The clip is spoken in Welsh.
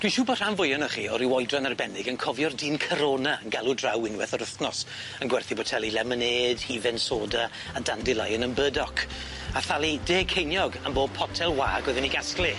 Dwi'n siŵr bo' rhan fwya o'noch chi o ryw oedran arbennig yn cofio'r dyn Corona yn galw draw unweth yr wthnos yn gwerthu boteli lemonêd, hufen soda a dandelion an' burdock a thalu deg ceiniog am bob potel wag o'dd yn ei gasglu.